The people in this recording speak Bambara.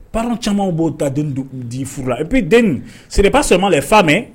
Pan camanw b'o ta den di furu la i bi den siriba so ma la i fa mɛn